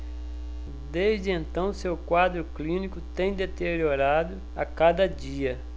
desde então seu quadro clínico tem deteriorado a cada dia